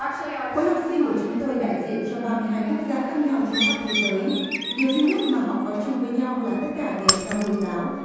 khối học sinh của chúng tôi đại diện cho ba mươi hai quốc gia khác nhau trên khắp thế giới điều duy nhất mà họ có chung với nhau là tất cả đều theo hồi giáo